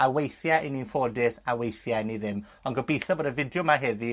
A weithie, 'yn ni'n ffodus, a weithie ni ddim. Ond gobitho bod y fideo 'ma heddi